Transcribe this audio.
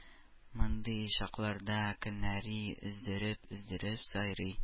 Мондый чакларда кенәри өздереп-өздереп сайрый